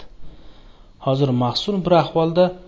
xozir mahzun bir ahvolda